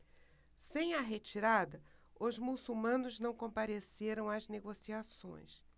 sem a retirada os muçulmanos não compareceram às negociações